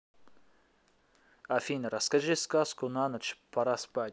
афина расскажи сказку на ночь пора спать